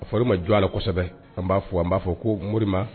F ma jɔ a la kosɛbɛ an b'a fɔ an b'a fɔ ko mori ma